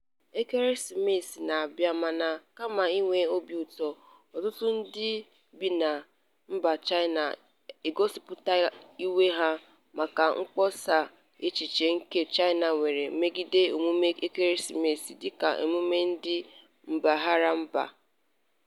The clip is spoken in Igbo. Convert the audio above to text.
Ekeresimesi na-abịa mana kama inwe obiụtọ, ọtụtụ ndị bi na mba China egosipụtala iwe ha maka mkpọsa echiche nke China nwere megide emume Ekeresimesi dịka emume ndị mbịarambịa.